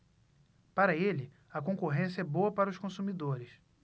para ele a concorrência é boa para os consumidores